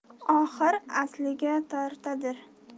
oxir asliga tortadir